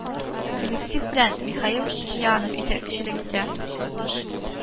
Коллектив белән Михаил Киянов итәкчелек итә